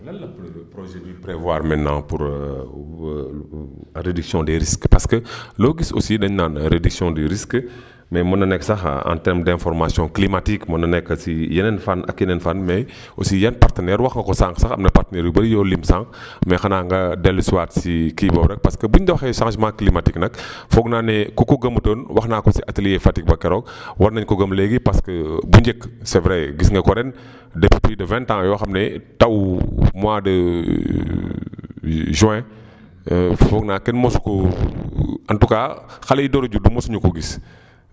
lan la projet projet bi prévoir maintenant pour réduction des risques parce que loo gis aussi dañ naan réduction des risques mais mën na nekk sax en terme d' information climatique mën na nekk si yeneen fànn ak yeneen fànn mais aussi yan partenaire wax nga ko sànq sax am na partenaires yu bëri yoo leen lim sànq mais xanaa nga dellusiwaat si kii boobu rekk parce que bu ñu waxee changement climatique nag foog naa ne ku ko gëmutoon wax naa ko si atelier Fatick ba keroog war nañ ko gëm léegi parce que bu njëkk c' est vrai gis nga ko ren depuis plus de vingt ans yoo xam ne taw mois de juin foog naa kenn mësukoo en tout cas xale yiy door a juddu mësuñu ko gis